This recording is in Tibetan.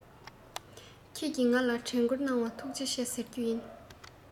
ཁྱེད ཀྱིན ང ལ དྲན ཀུར གནང བར ཐུག ཆེ ཟེར རྒྱུ ཡིན